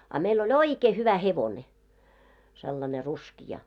a meillä oli oikein hyvä hevonen sellainen ruskea